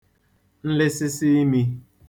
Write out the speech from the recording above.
nlịsịsị imī